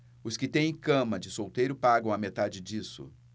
os que têm cama de solteiro pagam a metade disso